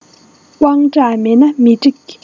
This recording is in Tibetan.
དབང གྲགས མེད ན མི འགྲིག